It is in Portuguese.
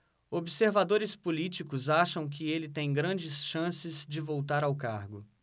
observadores políticos acham que ele tem grandes chances de voltar ao cargo